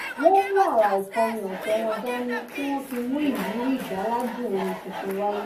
Wọ́n mú àrà ìkọrin ọ̀tọ̀ wọn dání tí wọ́n fi mú ìrírí ìgbáládùn orin tuntun wáyé.